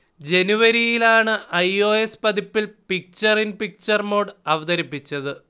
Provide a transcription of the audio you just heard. ജനുവരിയിലാണ് I. O. S. പതിപ്പിൽ picture in picture mode അവതരിപ്പിച്ചത്